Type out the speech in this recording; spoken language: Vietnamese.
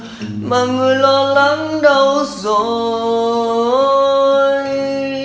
mà người lo lắng đâu rồi